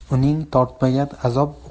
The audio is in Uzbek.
uning tortmagan azob